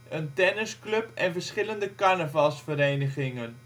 een voetbalclub, een tennisclub en verschillende carnavalsverenigingen